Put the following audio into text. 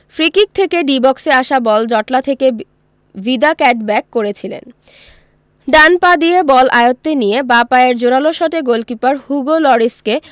free kick থেকে D বক্সে আসা বল জটলা থেকে ভিদা কাটব্যাক করেছিলেন ডান পা দিয়ে বল আয়ত্তে নিয়ে বাঁ পায়ের জোরালো শটে গোলকিপার হুগো লরিসকে